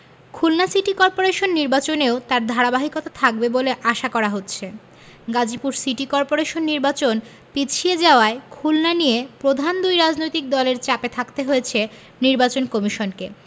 Khulna city corporation নির্বাচনেও তার ধারাবাহিকতা থাকবে বলে আশা করা হচ্ছে গাজীপুর সিটি করপোরেশন নির্বাচন পিছিয়ে যাওয়ায় খুলনা নিয়ে প্রধান দুই রাজনৈতিক দলের চাপে থাকতে হয়েছে নির্বাচন কমিশনকে